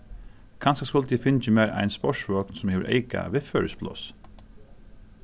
kanska skuldi eg fingið mær ein sportsvogn sum hevur eyka viðførispláss